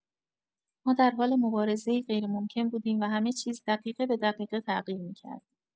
ما در حال مبارزه‌ای غیرممکن بودیم و همه چیز دقیقه به دقیقه تغییر می‌کرد.